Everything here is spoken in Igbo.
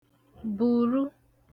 bùru